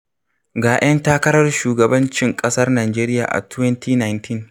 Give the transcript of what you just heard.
Ga 'yan takarar shugabancin ƙasar Najeriya a 2019